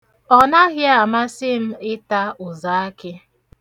Ọ naghị amasị m iṭa ụzaakị.